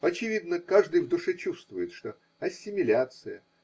Очевидно, каждый в душе чувствует, что ассимиляция.